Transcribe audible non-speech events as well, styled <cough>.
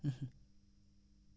<hesitation> <hesitation>